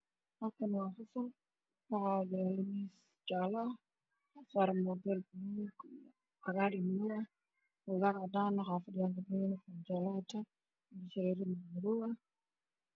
Halkaan waxaa ka muuqdo gabdho imtixaan ku jiro oo qabo dhar caday iyo inshareer madawbah